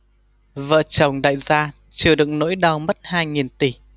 vợ chồng đại gia chịu đựng nỗi đau mất hai nghìn tỷ